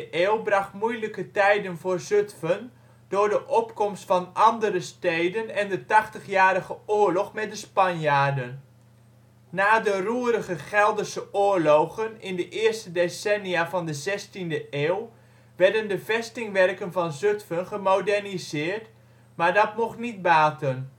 eeuw bracht moeilijke tijden voor Zutphen door de opkomst van andere steden en de Tachtigjarige Oorlog met de Spanjaarden. Na de roerige Gelderse Oorlogen in de eerste decennia van de 16e eeuw werden de vestingwerken van Zutphen gemoderniseerd, maar dat mocht niet baten